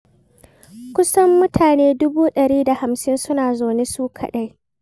Kusan mutane dubu 150 suna zaune su kaɗai.